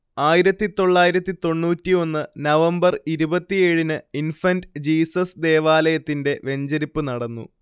ആയിരത്തി തൊള്ളായിരത്തി തൊണ്ണൂറ്റി ഒന്ന് നവംബർ ഇരുപത്തിഏഴിന് ഇൻഫന്റ് ജീസസ് ദേവാലയത്തിന്റെ വെഞ്ചരിപ്പ് നടന്നു